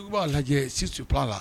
Dugu b'a lajɛ si'a la